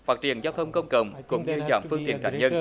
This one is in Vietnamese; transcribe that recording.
phát triển giao thông công cộng cũng nên giảm phương tiện cá nhân